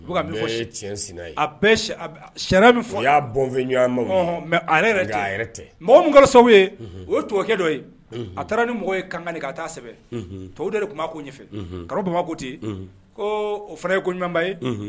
U bɛ ka ye tiɲɛina ye a min fɔ y'a bɔn ɲɔgɔn ma mɛ ale yɛrɛ a yɛrɛ tɛ mɔgɔka sababu ye o ye tokɛ dɔ ye a taara ni mɔgɔ ye kankanani ka taa sɛbɛn tobabu de de tun ma ko ɲɛfɛ karamɔgɔ bamakɔte ko o fana ye koɲɔgɔnba ye